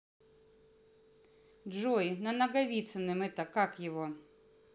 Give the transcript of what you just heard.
джой на наговицыным это как его